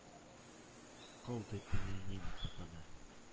«кол» дип мине немец атады.